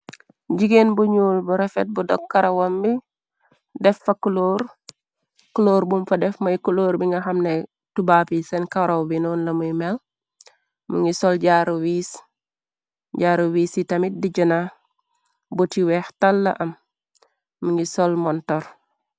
Jigeen bu ñyuul bu refet bu dogkarawam bi def fa kloor cloor buum fa def moy kuloor bi nga xamne tubaab yi seen karaw bi noon lamuy mel mu ngi sol jaaru wii i tamit di jëna boti weex talla am mu ngi sol montor.